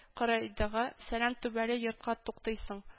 Кырыйдагы салам түбәле йортка туктыйсың